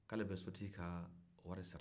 k'ale bɛ sotigi ka wari sara